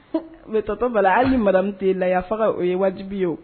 Vtɔ bala hali ni maramu tɛ la faga o ye wajibibi ye